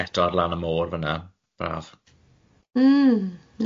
Yym eto ar lan y môr fan'na, braf.